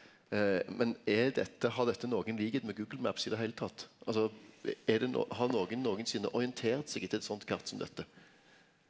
men er dette har dette nokon likskap med Google maps i det heile tatt, altså er det nå har nokon nokosinne orientert seg etter eit sånt kart som dette?